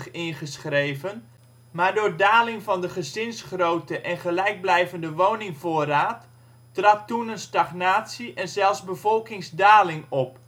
ingeschreven, maar door daling van de gezinsgrootte en gelijkblijvende woningvoorraad trad toen een stagnatie en zelfs bevolkingsdaling op